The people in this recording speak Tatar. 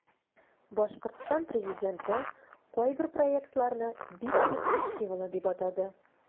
Башкортстан президенты кайбер проектларны бик перспективалы дип атады.